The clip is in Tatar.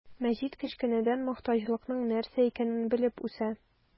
Мәҗит кечкенәдән мохтаҗлыкның нәрсә икәнен белеп үсә.